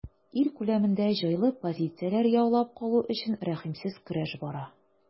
Ил күләмендә җайлы позицияләр яулап калу өчен рәхимсез көрәш бара.